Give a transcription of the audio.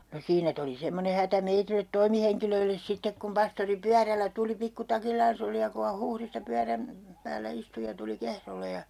no siinä tuli semmoinen hätä meille toimihenkilöille sitten kun pastori pyörällä tuli pikkutakillaan oli ja kun hän Huhdista pyörän päällä istui ja tuli Kehrolle ja